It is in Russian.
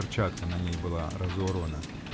Перчатка на ней была разорвана.